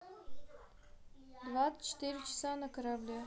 двадцать четыре часа на корабле